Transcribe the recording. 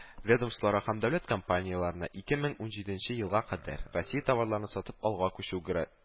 Ведомстволарга һәм дәүләт компанияларына ике мең унҗиденче елга кадәр россия товарларны сатып алуга күчү